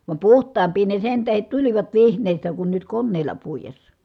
vaan puhtaampia ne sen tähden tulivat vihneistä kuin nyt koneilla puidessa